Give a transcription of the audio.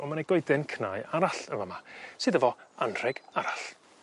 ...on' ma' 'ne goeden cnau arall yn fa' 'ma sydd efo anrheg arall.